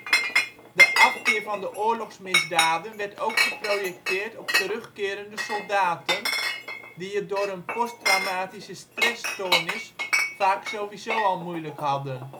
afkeer van de oorlogsmisdaden werd ook geprojecteerd op terugkerende soldaten, die het door hun posttraumatische stressstoornis vaak sowieso al moeilijk hadden